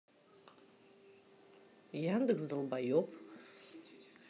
яндекс долбаеб